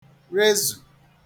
rezù